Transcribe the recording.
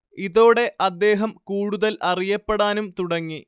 ഇതോടെ അദ്ദേഹം കൂടുതൽ അറിയപ്പെടാനും തുടങ്ങി